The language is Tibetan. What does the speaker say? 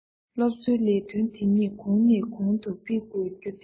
སློབ གསོའི ལས དོན འདི ཉིད གོང ནས གོང དུ སྤེལ དགོས རྒྱུ དེ ཡིན